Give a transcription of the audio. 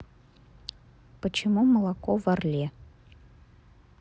почему молоко в орле